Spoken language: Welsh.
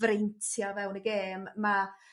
freintia o fewn y gêm ma'